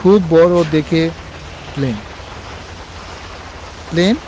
খুব বড় দেখে প্লেন প্লেন